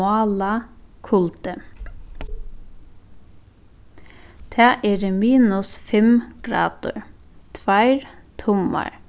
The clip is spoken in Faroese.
mála kuldi tað eru minus fimm gradir tveir tummar